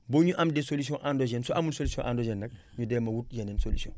ba ñu am des solutions endogènes su amul solution endogène rek ñu jéem a wut yeneen solutions